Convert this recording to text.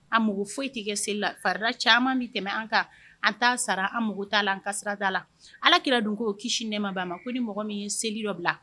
An mago foyi tɛ seli la fari caman min tɛmɛ an kan an t'a sara an mago t'a la an kasirada la ala kirara don ko kisi nɛma' a ma ko ni mɔgɔ min ye seli dɔbila